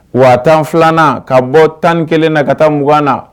Waa tan filanan ka bɔ tan ni kelen na ka taaugan na